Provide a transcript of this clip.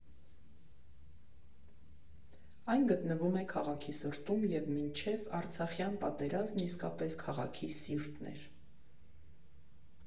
Այն գտնվում է քաղաքի սրտում և մինչև արցախյան պատերազմն իսկապես քաղաքի սիրտն էր։